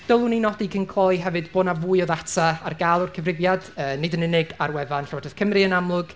Dylwn ni nodi cyn cloi hefyd bod 'na fwy o ddata ar gael o'r cyfrifiad, yy nid yn unig ar wefan Llywodraeth Cymru, yn amlwg.